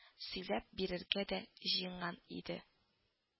Сөйләп бирергә дә җыенган иде